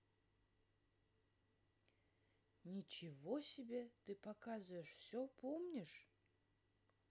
ничего себе ты показываешь все помнишь